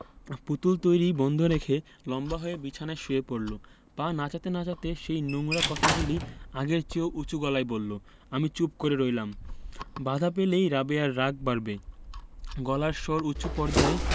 পুতুল তৈরী বন্ধ রেখে লম্বা হয়ে বিছানায় শুয়ে পড়লো পা নাচাতে নাচাতে সেই নোংরা কথাগুলি আগের চেয়েও উচু গলায় বললো আমি চুপ করে রইলাম বাধা পেলেই রাবেয়ার রাগ বাড়বে গলার স্বর উচু পর্দায়